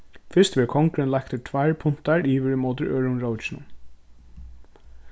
fyrst verður kongurin leiktur tveir puntar yvir ímóti øðrum rókinum